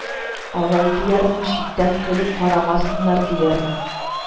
Алай, диярмен, читтән көлеп карамасыннар, диярмен